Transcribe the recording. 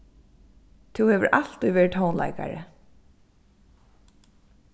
tú hevur altíð verið tónleikari